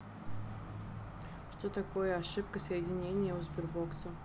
что такое ошибка соединения у сбербокса